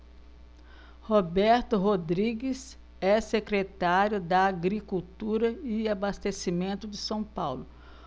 roberto rodrigues é secretário da agricultura e abastecimento de são paulo